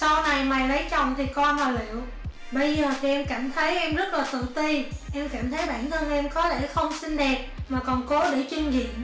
sau này mày lấy chồng thì coi mà liệu bây giờ thì em cảm thấy em rất là tự ti em cảm thấy bản thân em có lẽ không xinh đẹp mà còn cố để chưng diện